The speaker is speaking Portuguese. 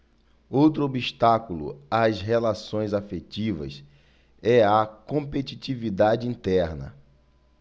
outro obstáculo às relações afetivas é a competitividade interna